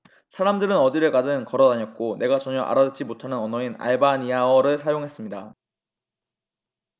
사람들은 어디를 가든 걸어 다녔고 내가 전혀 알아듣지 못하는 언어인 알바니아어를 사용했습니다